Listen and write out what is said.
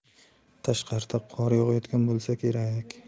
tashqarida qor yog'ayotgan bo'lsa kerak